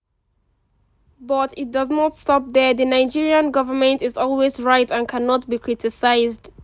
But it does not stop there, the Nigerian government is always right and cannot be criticized.